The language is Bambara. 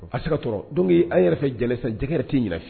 A se katɔ donke an yɛrɛ jɛgɛɛrɛ tɛ'i yɛrɛ